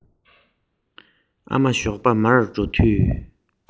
ཤེད ཤུགས ཡོད ཚད དང བློ རྩེ